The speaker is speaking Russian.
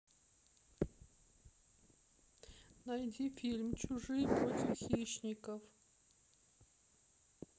найди фильм чужие против хищников